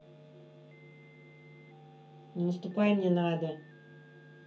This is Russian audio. не наступай мне надо